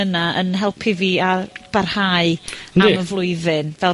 yna yn helpu fi a barhau... Ie. ...am y flwyddyn, fel...